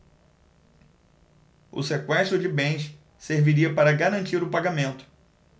o sequestro de bens serviria para garantir o pagamento